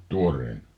tuoreena